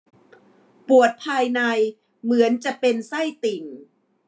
ปวดภายในเหมือนจะเป็นไส้ติ่ง